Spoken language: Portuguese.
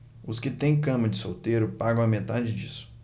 os que têm cama de solteiro pagam a metade disso